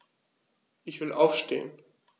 Ich will aufstehen.